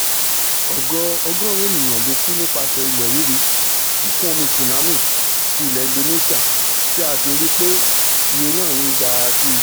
Ọgọ-ọgọ́ọ̀rún ènìyàn ló kú nípaṣẹ̀ ilẹ̀ rírì, ìkún-omi tsunami ti ilẹ Indonesia, tí a sì ń ríi pé iye náà sì ń ga síi